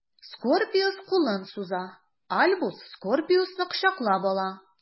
Скорпиус кулын суза, Альбус Скорпиусны кочаклап ала.